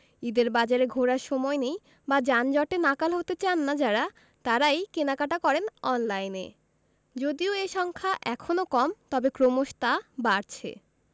ঈদের বাজারে ঘোরার সময় নেই বা যানজটে নাকাল হতে চান না যাঁরা তাঁরাই কেনাকাটা করেন অনলাইনে যদিও এ সংখ্যা এখনো কম তবে ক্রমশ তা বাড়ছে